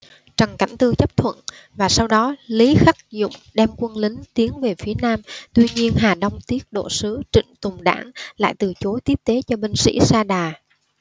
trần cảnh tư chấp thuận và sau đó lý khắc dụng đem quân lính tiến về phía nam tuy nhiên hà đông tiết độ sứ trịnh tùng đảng lại từ chối tiếp tế cho binh sĩ sa đà